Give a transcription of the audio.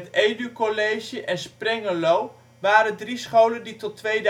Edu College en Sprengeloo waren drie scholen die tot 2007